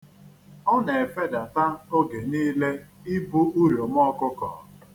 Ọ na-efedata oge niile ibu uriom ọkụkọ.